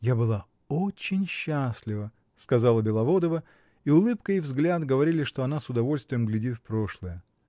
— Я была очень счастлива, — сказала Беловодова, и улыбка и взгляд говорили, что она с удовольствием глядит в прошлое.